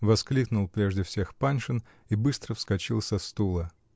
-- воскликнул прежде всех Паншин и быстро вскочил со стула.